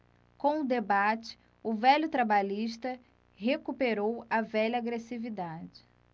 com o debate o velho trabalhista recuperou a velha agressividade